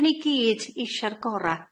'Dan ni gyd isia'r gora